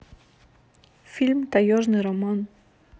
фильм таежный роман